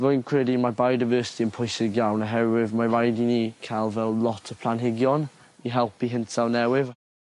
Rwy'n credu mae biodiversity yn pwysig iawn oherwydd mae raid i ni cael fel lot o planhigion i helpu hinsaw' newydd.